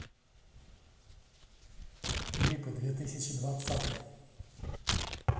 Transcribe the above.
клипы две тысячи двадцатый